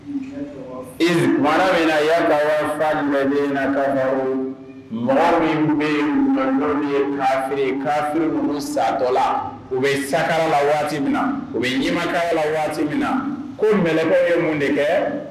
Wara min'a waatifa jumɛn ka mɔgɔ min bɛkɔrɔ ye kari kafiri sa dɔ la u bɛ sara la waati min u bɛ ɲamakalala waati min ko mlɛkaw ye mun de kɛ